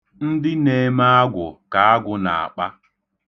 Ndị na-eme agwụ ka agwụ na-akpa.